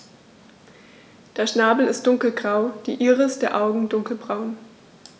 Der Schnabel ist dunkelgrau, die Iris der Augen dunkelbraun.